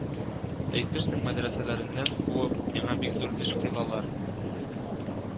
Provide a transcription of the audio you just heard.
Әйтерсең, мәдрәсәләреннән куып, миңа бик зур эш кыйлалар